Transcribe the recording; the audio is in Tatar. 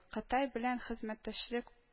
«кытай белән хезмәттәшлек